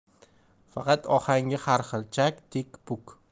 faqat ohangi har xil chak tikpuk